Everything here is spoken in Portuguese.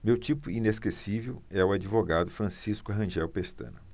meu tipo inesquecível é o advogado francisco rangel pestana